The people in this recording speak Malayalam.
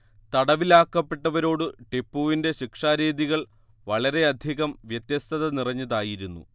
തടവിലാക്കപ്പെട്ടവരോടു ടിപ്പുവിന്റെ ശിക്ഷാരീതികൾ വളരെയധികം വ്യത്യസ്തത നിറഞ്ഞതായിരുന്നു